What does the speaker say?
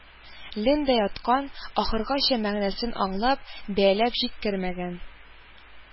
Лендә яткан, ахыргача мәгънәсен аңлап, бәяләп җиткермәгән